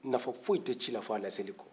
nafa fosi te ci la fo a lase li kɔ